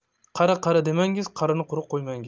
qari qari demangiz qarini quruq qo'ymangiz